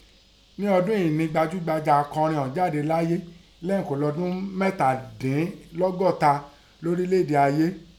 Nẹ́ ọdún ìín nẹ gbajúgbajà akọrin ọ̀ún jáde láyé lêyìn kó lo ọdún mẹ́tàdínlọ́gọ́ta lọ́rílẹ̀ èdè ayé.